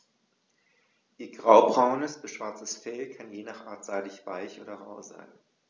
Ihr graubraunes bis schwarzes Fell kann je nach Art seidig-weich oder rau sein.